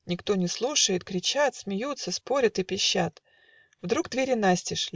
Никто не слушает, кричат, Смеются, спорят и пищат. Вдруг двери настежь.